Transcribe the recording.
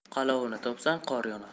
qalovini topsang qor yonar